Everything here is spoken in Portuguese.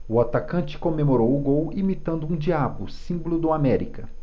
o atacante comemorou o gol imitando um diabo símbolo do américa